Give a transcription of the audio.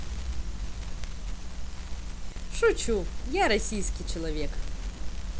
шучу я российский человек